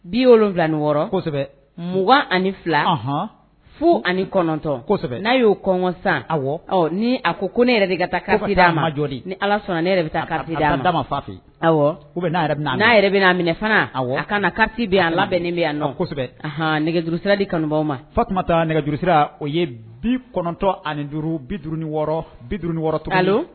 Bi wolo wolonwulain wɔɔrɔ kosɛbɛ mugan ani fila fu ani kɔnɔntɔnsɛbɛ n'a y'o kɔnsan a ni a ko ko ne yɛrɛ ka taa majɔ ni ala sɔnna ne yɛrɛ bɛ taa dama fa aw u bɛ yɛrɛ n'a yɛrɛ bɛna a minɛ fana a a kana na ka bɛ a labɛn ne bɛ yan nɔ kosɛbɛ aɔn nɛgɛjurusiradi kanubaw ma fa tun taa nɛgɛjurusira o ye bi kɔnɔntɔn ani duuru bid wɔɔrɔ bid wɔɔrɔtɔ kalo